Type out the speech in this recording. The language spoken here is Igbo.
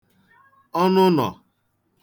ọnụnọ̀